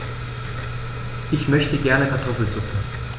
Ich möchte gerne Kartoffelsuppe.